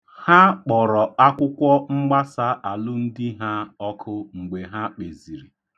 Ha kpọrọ akwụkwọ mgbasa alụmdi ha ọkụ mgbe ha kpeziri.